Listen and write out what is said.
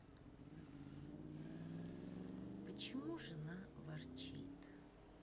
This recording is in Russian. почему жена ворчит